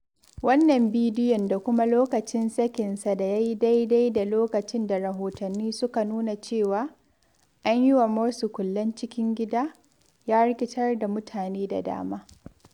Wannan bidiyon da kuma lokacin sakin sa da ya yi daidai da lokaci da rahotanni suka nuna cewa, an yi wa Morsi kullen cikin gida, ya rikitar da mutane da dama.